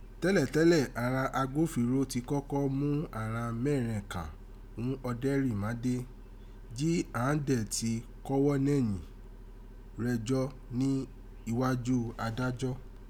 Tẹ́lẹ̀tẹ́lẹ̀, àghan agbofinro ti kọkọ mu àghan mẹ́rẹn kàn ghún òdèrìmàdè, jí àn án dẹ̀n ti kọ́wọ́ nẹ́yìn rẹjọ́ ni igwájú adájọ́.